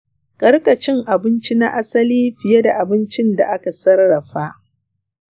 ka rika cin abinci na asali fiye da abincin da aka sarrafa.